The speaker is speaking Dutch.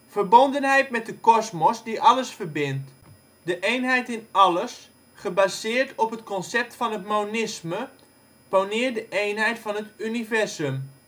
verbondenheid met de kosmos, die alles verbindt de eenheid in alles, gebaseerd op het concept van het monisme, poneert de eenheid van het universum